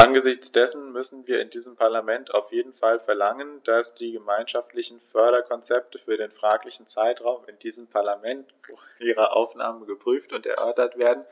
Angesichts dessen müssen wir in diesem Parlament auf jeden Fall verlangen, dass die gemeinschaftlichen Förderkonzepte für den fraglichen Zeitraum in diesem Parlament vor ihrer Annahme geprüft und erörtert werden,